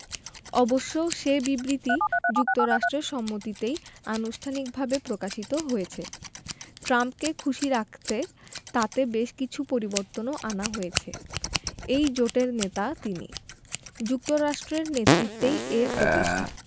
অবশ্য সে বিবৃতি যুক্তরাষ্ট্রের সম্মতিতেই আনুষ্ঠানিকভাবে প্রকাশিত হয়েছে ট্রাম্পকে খুশি রাখতে তাতে বেশ কিছু পরিবর্তনও আনা হয়েছে এই জোটের নেতা তিনি যুক্তরাষ্ট্রের নেতৃত্বেই এর প্রতিষ্ঠা